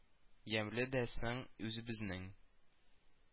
Ямьле дә соң үзебезнең